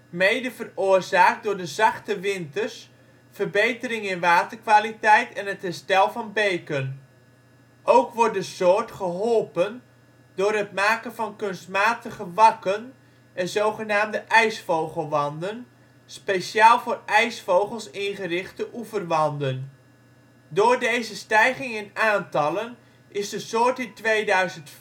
mede veroorzaakt door de zachte winters, verbetering in waterkwaliteit en het herstel van beken. Ook wordt de soort geholpen door het maken van kunstmatige wakken en zogenaamde ijsvogelwanden, speciaal voor ijsvogels ingerichte oeverwanden. Door deze stijging in aantallen is de soort in 2004